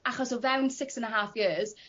achos o fewn six an' a half years